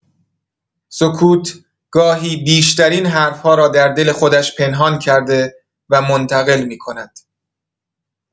سکوت گاهی بیشترین حرف‌ها را در دل خودش پنهان کرده و منتقل می‌کند.